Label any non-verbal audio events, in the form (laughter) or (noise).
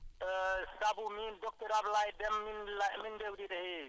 (hesitation)